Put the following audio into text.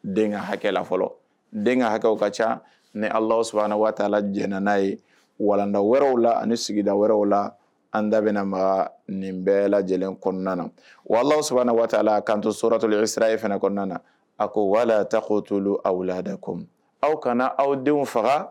Den hakɛ la fɔlɔ den hakɛw ka ca ni ala sabanan waa la j'a ye walalanda wɛrɛw la ani ni sigida wɛrɛ o la an dabaga nin bɛɛ lajɛlen kɔnɔna na wala sabanan waa la kan sɔrɔtɔ sira ye fana kɔnɔna na a ko wala ta' t tuolu a la dɛ kɔmi aw kana aw denw faga